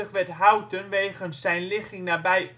werd Houten wegens zijn ligging nabij